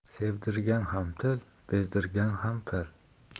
sevdirgan ham til bezdirgan ham til